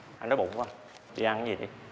anh đói bụng quá đi ăn cái gì đi